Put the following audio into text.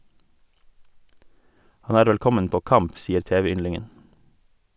Han er velkommen på kamp, sier tv-yndlingen.